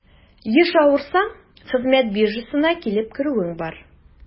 Еш авырсаң, хезмәт биржасына килеп керүең бар.